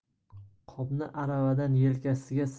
qopni aravadan yelkasiga